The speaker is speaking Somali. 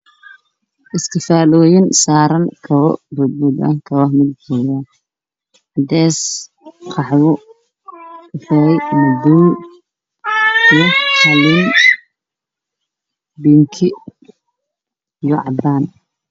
waa iskafaalooyin saaran kabo badan